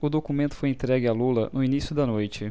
o documento foi entregue a lula no início da noite